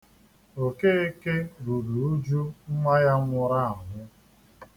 Okeke ruru ụjụ nwa ya nwụrụ anwụ.